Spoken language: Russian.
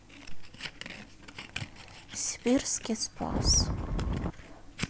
сибирский спас